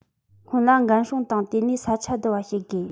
སྔོན ལ འགན སྲུང དང དེ ནས ས ཆ བསྡུ བ བྱེད དགོས